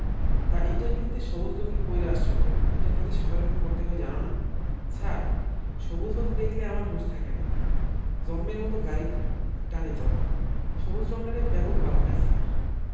তা ইন্টারভিউ তে সবুজ লুঙ্গি পইড়া আসছো কেন ইন্টারভিউতে সাদা লুঙ্গি পড়তে হয় জানো না ছার সবুজ বাতি দ্যাখলে আমার হুশ থাহেনা জম্মের মত গাড়ি টানি তহন সবুজ রংডারে ব্যাপক ভালা পাই ছার